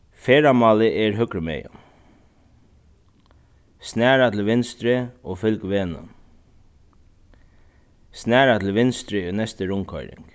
ferðamálið er høgrumegin snara til vinstru og fylg vegnum snara til vinstru í næstu rundkoyring